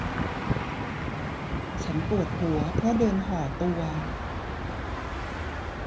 ฉันปวดหัวเพราะเดินห่อตัว